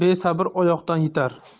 besabr oyoqdan yitar